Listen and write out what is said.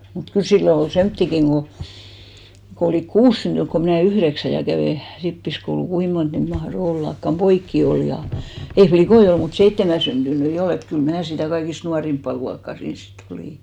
mutta kyllä silloin oli semmoisiakin kun kun olivat kuusi syntynyt kun minä yhdeksän ja kävi rippikoulua kuinka monta niitä mahtoi ollakaan poikia oli ja ei likkoja ollut mutta seitsemän syntyneitä oli että kyllä minä sitä kaikista nuorinta luokkaa siinä sitten olin